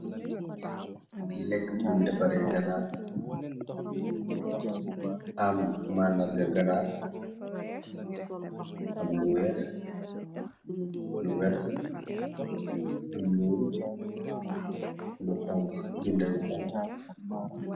Lekk mun defaree ganaar am màndarga ganaar am lu weex lu wett lu ñuul bindayu xonxu.